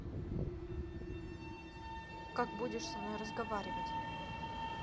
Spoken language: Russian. как будешь со мной разговаривать